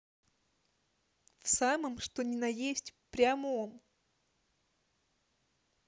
в самом что ни на есть прямом